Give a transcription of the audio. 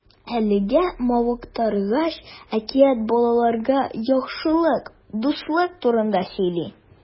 Әлеге мавыктыргыч әкият балаларга яхшылык, дуслык турында сөйли.